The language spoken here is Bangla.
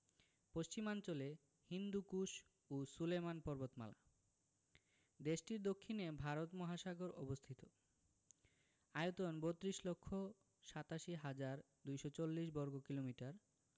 পশ্চিমাঞ্চলে হিন্দুকুশ ও সুলেমান পর্বতমালাদেশটির দক্ষিণে ভারত মহাসাগর অবস্থিত আয়তন ৩২ লক্ষ ৮৭ হাজার ২৪০ বর্গ কিমি